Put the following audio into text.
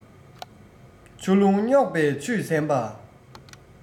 ཆུ ཀླུང རྙོག པས ཆུད གཟན པ